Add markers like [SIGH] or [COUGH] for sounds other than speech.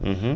[HESITATION] [HESITATION]